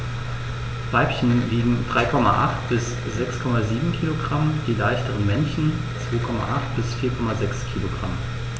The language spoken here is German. Weibchen wiegen 3,8 bis 6,7 kg, die leichteren Männchen 2,8 bis 4,6 kg.